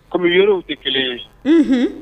Comme yɔrɔw te 1 ye unhun